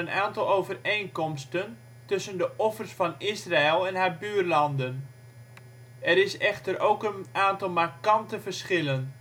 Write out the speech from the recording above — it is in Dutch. aantal overeenkomsten tussen de offers van Israël en haar buurlanden. Er is echter ook een aantal markante verschillen